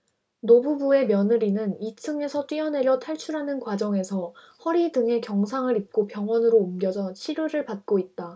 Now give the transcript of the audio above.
노부부의 며느리는 이 층에서 뛰어내려 탈출하는 과정에서 허리 등에 경상을 입고 병원으로 옮겨져 치료를 받고 있다